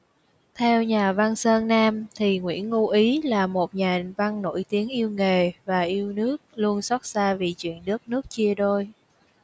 theo nhà văn sơn nam thì nguyễn ngu í là một nhà văn nổi tiếng yêu nghề và yêu nước luôn xót xa vì chuyện đất nước chia đôi